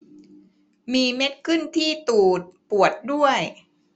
มีเม็ดขึ้นที่ตูดปวดด้วย